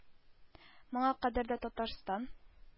– моңа кадәр дә татарстан